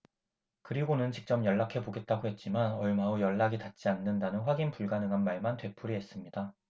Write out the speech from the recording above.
그리고는 직접 연락해보겠다고 했지만 얼마 후 연락이 닿지 않는다는 확인 불가능한 말만 되풀이했습니다